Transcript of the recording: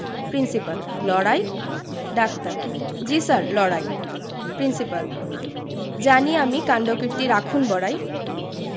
principal লড়াই ডাক্তার জ্বী স্যার লড়াই প্রিন্সিপাল জানি আমি কাণ্ডকীর্তি রাখুন বড়াই